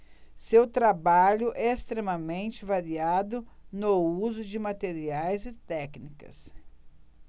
seu trabalho é extremamente variado no uso de materiais e técnicas